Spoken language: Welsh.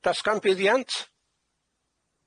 Dasgan buddiant.